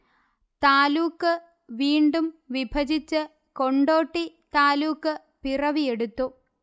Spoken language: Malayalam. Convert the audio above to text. താലൂക്ക് വീണ്ടും വിഭജിച്ച് കൊണ്ടോട്ടി താലൂക്ക് പിറവിയെടുത്തു